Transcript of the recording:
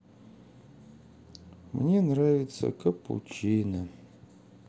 мне нравится капучино